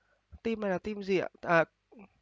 tim này là tim gì ạ à